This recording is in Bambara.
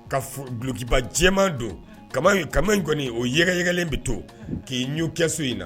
Ka glokibajɛman don ka in kɔni o yɛrɛygɛlen bɛ to k'i ɲɔ kɛso in na